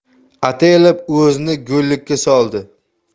ataylab o'zini go'liikka soldi